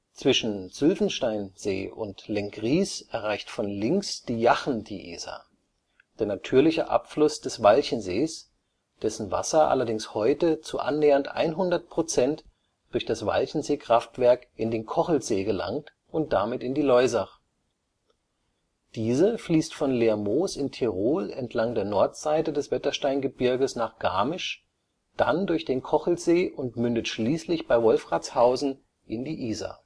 Zwischen Sylvensteinsee und Lenggries erreicht von links die Jachen die Isar, der natürliche Abfluss des Walchensees, dessen Wasser allerdings heute zu annähernd 100 % durch das Walchenseekraftwerk in den Kochelsee gelangt und damit in die Loisach. Diese fließt von Lermoos in Tirol entlang der Nordseite des Wettersteingebirges nach Garmisch, dann durch den Kochelsee und mündet schließlich bei Wolfratshausen in die Isar